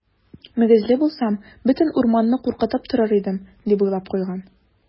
Мөгезле булсам, бөтен урманны куркытып торыр идем, - дип уйлап куйган.